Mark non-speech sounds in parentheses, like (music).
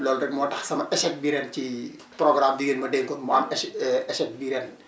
loolu rek moo tax sama échec bii ren ci programme bi ngeen ma dénkoon mu am échec (hesitation) échec bii ren